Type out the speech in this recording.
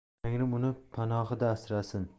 tangrim uni panohida asrasin